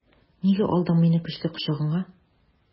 Нигә алдың мине көчле кочагыңа?